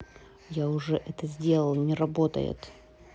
я уже это сделал не работает